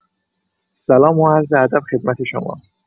سلام و عرض ادب خدمت شما